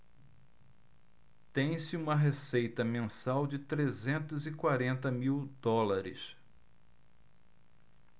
tem-se uma receita mensal de trezentos e quarenta mil dólares